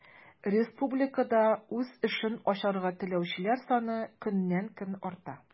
Республикада үз эшен ачарга теләүчеләр саны көннән-көн арта.